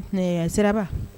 Ee siraba